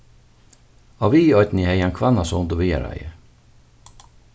á viðoynni hevði hann hvannasund og viðareiði